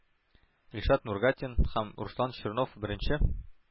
Илшат Нургатин һәм Руслан Чернов – беренче,